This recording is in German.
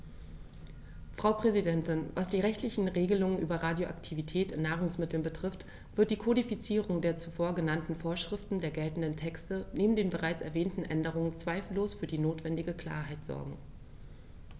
Frau Präsidentin, was die rechtlichen Regelungen über Radioaktivität in Nahrungsmitteln betrifft, wird die Kodifizierung der zuvor genannten Vorschriften der geltenden Texte neben den bereits erwähnten Änderungen zweifellos für die notwendige Klarheit sorgen.